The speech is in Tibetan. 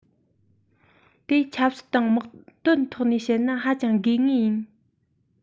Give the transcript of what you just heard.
དེ ཆབ སྲིད དང དམག དོན ཐོག ནས བཤད ན ཧ ཅང དགོས ངེས ཡིན